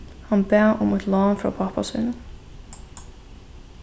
hann bað um eitt lán frá pápa sínum